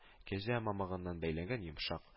Кәҗә мамыгыннан бәйләнгән йомшак